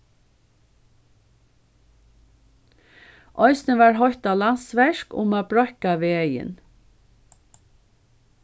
eisini var heitt á landsverk um at breiðka vegin